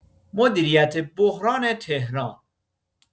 مدیریت بحران تهران